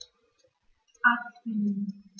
Arzttermin